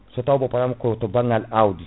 so taw bo pa* ko to banggal awdi